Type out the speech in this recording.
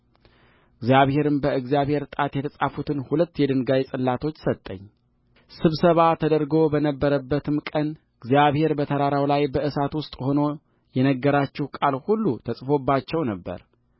እግዚአብሔርም በእግዚአብሔር ጣት የተጻፋትን ሁለት የድንጋይ ጽላቶች ሰጠኝ ስብሰባ ተደርጎ በነበረበትም ቀን እግዚአብሔር በተራራው ላይ በእሳት ውስጥ ሆኖ የነገራችሁ ቃል ሁሉ ተጽፎባቸው ነበር